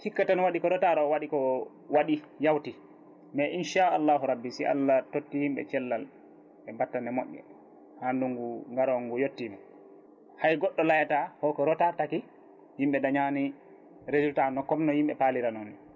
hikka tan waɗi ko rotar o waɗi ko waɗi yawti mais inchallahu rabbi si Allah totti yimɓe cellal e battane moƴƴe ha ndgungu ngarongu yettima hay goɗɗo layata holko rota taki yimɓe dañani résultat nocomme yimɓe falirano